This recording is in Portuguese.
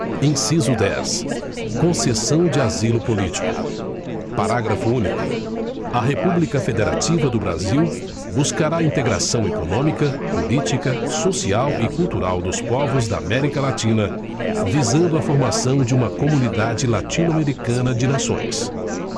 inciso dez concessão de asilo político parágrafo único a república federativa do brasil buscará a integração econômica política social e cultural dos povos da américa latina visando à formação de uma comunidade latino americana de nações